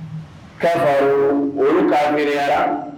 Ka olu k'a mi